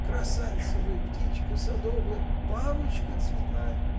Красавица вы, птичка садовая, бабочка цветная!